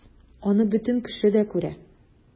Аны бөтен кеше дә күрә...